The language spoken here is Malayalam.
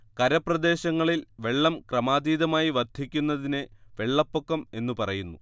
കരപ്രദേശങ്ങളിൽ വെള്ളം ക്രമാതീതമായി വർദ്ധിക്കുന്നതിനെ വെള്ളപ്പൊക്കം എന്നു പറയുന്നു